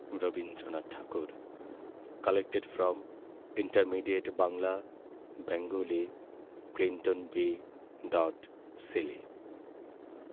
Rabindranath Tagore collected from intermediate Bangla Bengali Clinton B dot Seely